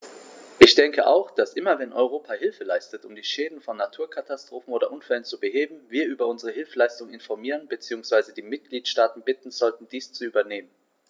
Ich denke auch, dass immer wenn Europa Hilfe leistet, um die Schäden von Naturkatastrophen oder Unfällen zu beheben, wir über unsere Hilfsleistungen informieren bzw. die Mitgliedstaaten bitten sollten, dies zu übernehmen.